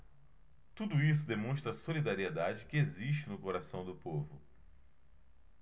tudo isso demonstra a solidariedade que existe no coração do povo